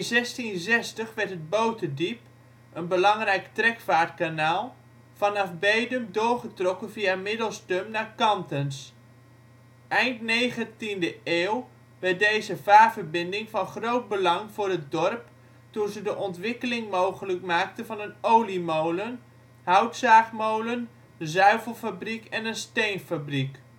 1660 werd het Boterdiep (een belangrijk trekvaartkanaal) vanaf Bedum doorgetrokken via Middelstum naar Kantens. Eind 19e eeuw werd deze vaarverbinding van groot belang voor het dorp toen ze de ontwikkeling mogelijk maakte van een oliemolen, (hout) zaagmolen, zuivelfabriek en een steenfabriek